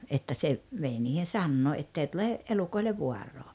että se vei niihin sanoo että ei tule elukoille vaaraa